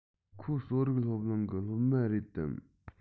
ཁོ གསོ རིག སློབ གླིང གི སློབ མ རེད དམ